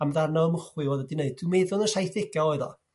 am ddarn o ymchwil o'dd o 'di 'neud, meddwl y siaithdega' oedd o